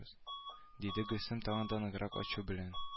Диде гөлсем тагын да ныграк ачу белән